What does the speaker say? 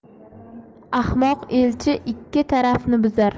ahmoq elchi ikki tarafni buzar